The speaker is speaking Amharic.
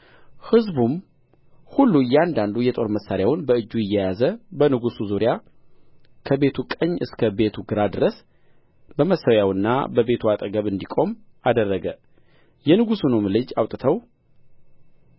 ሕዝቡም ሁሉ እያንዳንዱ የጦር መሣሪያውን በእጁ እየያዘ በንጉሡ ዙሪያ ከቤቱ ቀኝ እስከ ቤቱ ግራ ድረስ በመሠዊያውና በቤቱ አጠገብ እንዲቆም አደረገ የንጉሡንም ልጅ አውጥተው